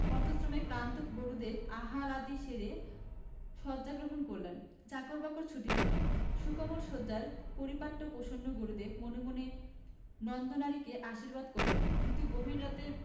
পথশ্রমে ক্লান্ত গুরুদেব আহারাদি সেরে শয্যা গ্রহণ করলেন চাকর বাকর ছুটি পেলে সুকোমল শয্যার পারিপাট্যে প্রসন্ন গুরুদেব মনে মনে নন্দনারীকে আশীর্বাদ করলেন কিন্তু গভীর রাতে